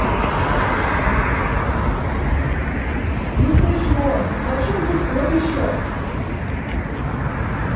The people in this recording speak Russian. не смешно зачем тут кот еще